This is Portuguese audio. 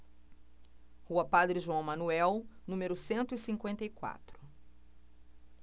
rua padre joão manuel número cento e cinquenta e quatro